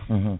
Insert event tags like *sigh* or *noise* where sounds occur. *hesitation* *hesitation*